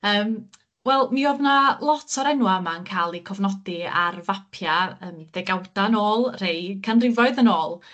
yym wel mi o'dd 'na lot o'r enwa' yma'n ca'l eu cofnodi ar fapia' yym ddegawda'n ôl, rhei canrifoedd yn ôl